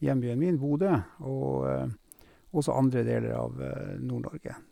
hjembyen min Bodø, og også andre deler av Nord-Norge.